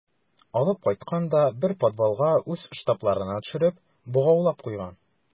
Алып кайткан да бер подвалга үз штабларына төшереп богаулап куйган.